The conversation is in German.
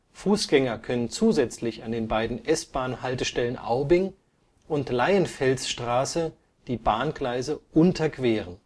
Fußgänger können zusätzlich an den beiden S-Bahn-Haltestellen Aubing und Leienfelsstraße die Bahngleise unterqueren